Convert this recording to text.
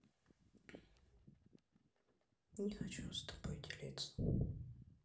не хочу с тобой делиться